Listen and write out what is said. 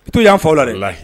Bitɔn t' y yan fa aw la de la